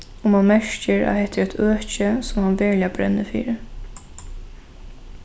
og mann merkir at hetta er eitt øki sum hann veruliga brennur fyri